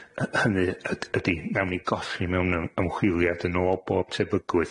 hy- hynny yd- ydi, nawn ni golli mewn ym- ymchwiliad yn ôl bob tebygrwydd,